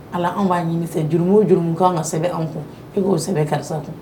Ala anw b'a ɲini sɛ juru' juru kan ka sɛbɛn anw kun e k'o sɛbɛnbɛ karisa kun